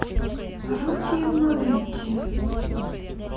пародия моменте